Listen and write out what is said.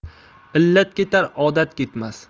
illat ketar odat ketmas